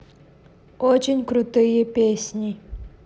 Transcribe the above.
очень крутые песни